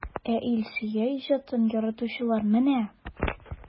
Ә Илсөя иҗатын яратучылар менә!